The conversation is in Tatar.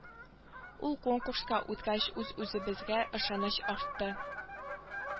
Ул конкурска үткәч үз-үзебезгә ышаныч артты